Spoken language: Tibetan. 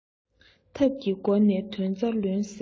ཐབས ཀྱི སྒོ ནས དོན རྩ ལོན ཟེར ན